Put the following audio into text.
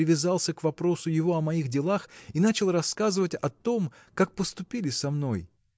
привязался к вопросу его о моих делах и начал рассказывать о том как поступили со мной.